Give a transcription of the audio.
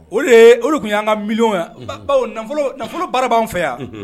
O de ye olu de tun y'an ka mili baw nafolo bara b'an fɛ yan